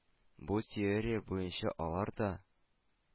Бу теория буенча алар да